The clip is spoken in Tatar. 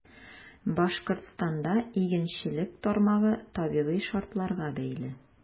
Башкортстанда игенчелек тармагы табигый шартларга бәйле.